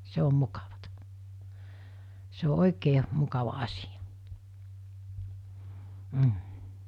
se on mukavaa se on oikein mukava asia mm